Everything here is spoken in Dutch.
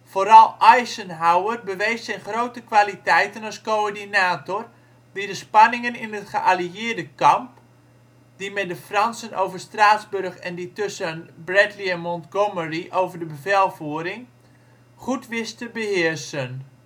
Vooral Eisenhower bewees zijn grote kwaliteiten als coördinator, die de spanningen in het geallieerde kamp (die met de Fransen over Straatsburg en die tussen Bradley en Montgomery over de bevelvoering) goed wist te beheersen